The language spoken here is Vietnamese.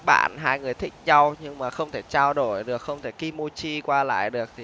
bạn hai người thích nhau nhưng mà không thể trao đổi được không thể ki mô chi qua lại được thì